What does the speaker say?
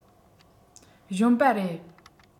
གཞོན པ རེད